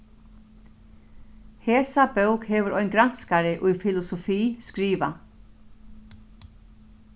hesa bók hevur ein granskari í filosofi skrivað